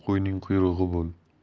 qo'yning quyrug'i bo'l